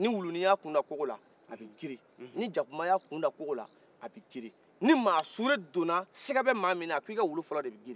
ni wulunin y'a kunda kokola a bɛ grin ni jakuma y'a kunda kokola a bɛ grin ni ma suure donan siga be ma min na i ka wulu fɔlɔ de be grin